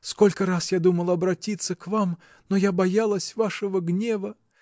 сколько раз я думала обратиться к вам, но я боялась вашего гнева